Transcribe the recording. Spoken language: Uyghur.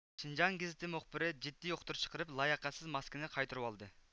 شىنجاڭ گېزىتى مۇخبىرى جىددىي ئۇقتۇرۇش چىقىرىپ لاياقەتسىز ماسكىنى قايتۇرۇۋالدى